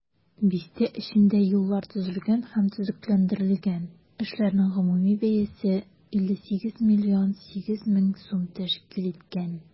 Бистә эчендә юллар төзелгән һәм төзекләндерелгән, эшләрнең гомуми бәясе 58,8 миллион сум тәшкил иткән.